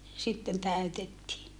sitten täytettiin